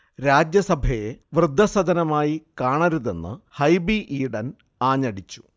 രാജ്യസഭയെ വൃദ്ധസദനമായി കാണരുതെന്ന് ഹൈബി ഈഡൻ ആഞ്ഞടിച്ചു